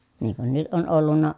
niin kuin nyt on ollut